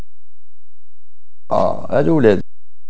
الولد